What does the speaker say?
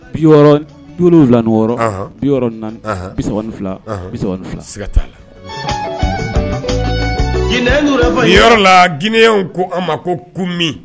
Bifila ni wɔɔrɔ bi bisa bi fila siga ka t'a la ɲin yɔrɔ la g ko a ma ko ko min